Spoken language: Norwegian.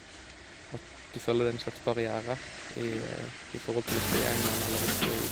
At du føler det er en slags barriere i i forhold til hvis du er i England, eller hvis du er i...